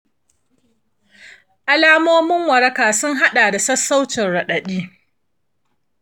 alamomin waraka sun haɗa da sassaucin raɗaɗi